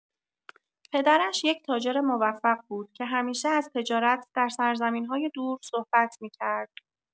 پدرش یک تاجر موفق بود که همیشه از تجارت در سرزمین‌های دور صحبت می‌کرد.